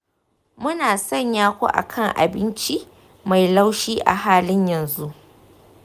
muna sanya ku a kan abinci mai laushi a halin yanzu.